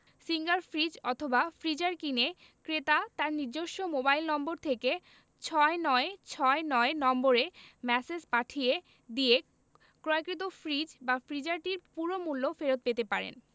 singer fridge অথবা freezer কিনে ক্রেতা তার নিজস্ব মোবাইল নম্বর থেকে ৬৯৬৯ নম্বরে ম্যাসেজ পাঠিয়ে দিয়ে ক্রয়কৃত ফ্রিজ বা ফ্রিজারটির পুরো মূল্য ফেরত পেতে পারেন